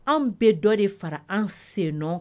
An bɛɛ dɔ de fara an senɔnɔ